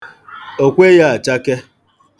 O kweghị achake.